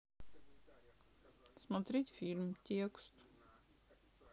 смотреть фильм текст